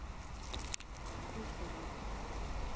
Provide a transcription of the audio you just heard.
косово